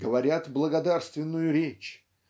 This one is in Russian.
говорят благодарственную речь